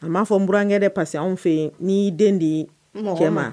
A m'a fɔ n burankɛ de pa que anw fɛ n'i'i den de jɛ ma